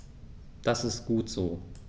Das ist gut so.